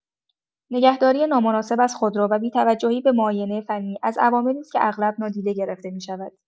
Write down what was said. نگهداری نامناسب از خودرو و بی‌توجهی به معاینه فنی، از عواملی است که اغلب نادیده گرفته می‌شود.